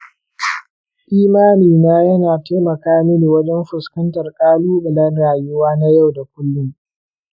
imanina yana taimaka mini wajen fuskantar ƙalubalen rayuwa na yau da kullum.